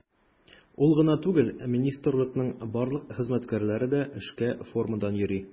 Ул гына түгел, министрлыкның барлык хезмәткәрләре дә эшкә формадан йөри.